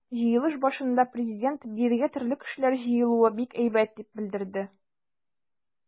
Җыелыш башында Президент: “Бирегә төрле кешеләр җыелуы бик әйбәт", - дип белдерде.